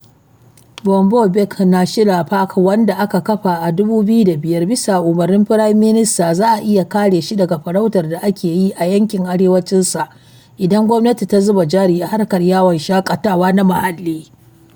Boumba Bek National Park, wanda aka kafa a 2005 bisa umarnin Firayim Minista. Za a iya kare shi daga farautar da ake yi a yankin arewacin sa idan gwamnati ta zuba jari a harkar yawon shaƙatawa na muhalli.